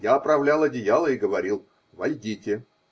Я оправлял одеяло и говорил: -- Войдите.